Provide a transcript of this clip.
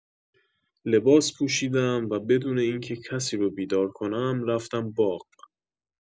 لباس پوشیدم و بدون اینکه کسی رو بیدار کنم، رفتم باغ.